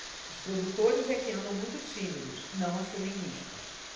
os produtores é que andam muito tímidos não assumem riscos